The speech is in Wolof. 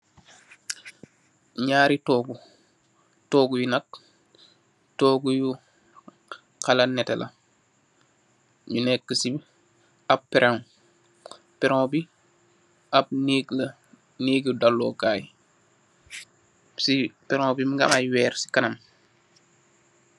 Ñaari toogu, toogu yi nak toogu yu hala nètè la nu nekk ci ab pèron. Pèron bi ab nèeg la nèeg dalokaay, ci pèron bi mungi am ay wèrr ci kanam.